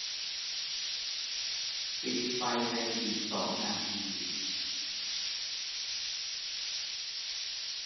ปิดไฟในอีกสองนาที